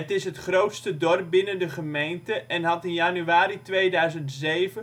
is het grootste dorp binnen de gemeente en had in januari 2007 zo 'n 3021